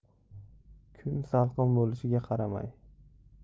kun salqin bo'lishiga qaramay